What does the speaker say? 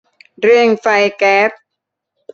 เร่งไฟแก๊ส